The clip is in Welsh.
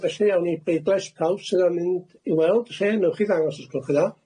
Felly, awn ni i bleidlais, pawb sydd ar mynd i weld lle, newch chi ddangos os gwelwch chi'n dda.